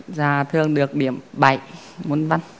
dà thường được điểm bảy môn văn